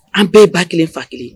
An bɛɛ ba kelen fakelen